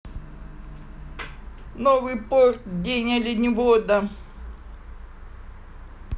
новый порт день оленевода